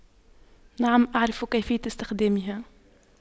نعم اعرف كيفية استخدامها